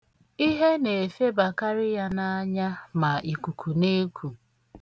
Ihe na-efebakarị ya n'anya ma ikuku na-eku.